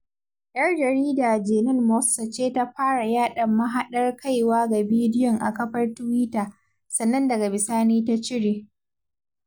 Yar jarida Jenan Moussa ce ta fara yaɗa mahaɗar kaiwa ga bidiyon a kafar Tiwita, sannan daga bisani ta cire.